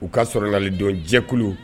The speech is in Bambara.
U ka sɔrɔnalidon jɛkulu